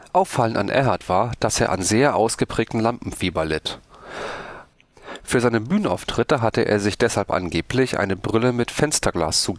Auffallend an Erhardt war, dass er an sehr ausgeprägtem Lampenfieber litt. Für seine Bühnenauftritte hatte er sich deshalb angeblich eine Brille mit Fensterglas